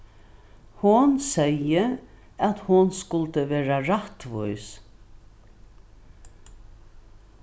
hon segði at hon skuldi vera rættvís